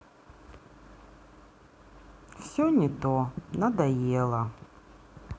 все не то надоело